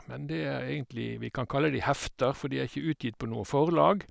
men det er egentlig Vi kan kalle de hefter, for de er ikke utgitt på noe forlag.